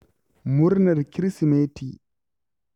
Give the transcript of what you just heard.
Murnar Kirsimeti!